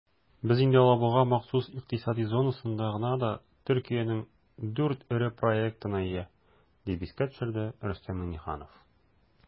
"без инде алабуга махсус икътисади зонасында гына да төркиянең 4 эре проектына ия", - дип искә төшерде рөстәм миңнеханов.